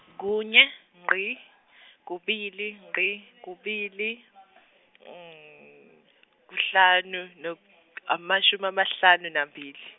kunye ngqi , kubili ngqi kubili , kuhlanu nu- amashumi amahlanu nambili.